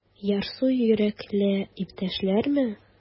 Ярсу йөрәкле иптәшләреме?